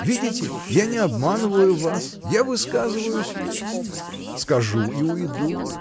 Видите, я не обманываю вас: я высказываюсь весь. Скажу и уйду!